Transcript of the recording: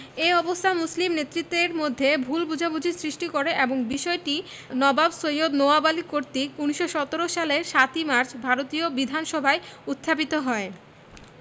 এ অবস্থা মুসলিম নেতৃত্বের মধ্যে ভুল বোঝাবুঝির সৃষ্টি করে এবং বিষয়টি নবাব সৈয়দ নওয়াব আলী কর্তৃক ১৯১৭ সালের ৭ মার্চ ভারতীয় বিধানসভায় উত্থাপিত হয়